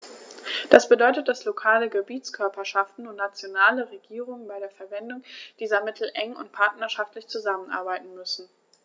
Das bedeutet, dass lokale Gebietskörperschaften und nationale Regierungen bei der Verwendung dieser Mittel eng und partnerschaftlich zusammenarbeiten müssen.